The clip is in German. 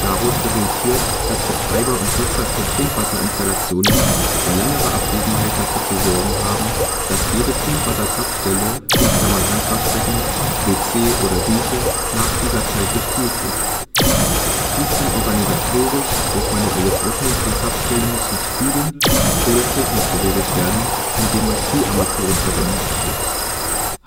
Daraus resultiert, dass Betreiber und Nutzer von Trinkwasserinstallationen bei längerer Abwesenheit dafür zu sorgen haben, dass jede Trinkwasserzapfstelle (Handwaschbecken, WC, Dusche) nach dieser Zeit gespült wird. Dies kann organisatorisch (manuelles Öffnen von Zapfstellen zum Spülen) oder technisch geregelt werden (z. B. Spülarmaturen).